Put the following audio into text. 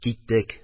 Киттек.